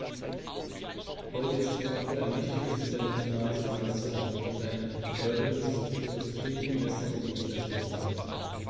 Heute ist Frankfurt ein wichtiges, internationales Finanzzentrum und ein bedeutendes Industrie-, Messe- und Dienstleistungszentrum.